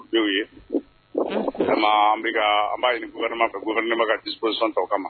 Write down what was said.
Dɔw ye an bɛka an b'ama fɛ nema ka dipsanta ma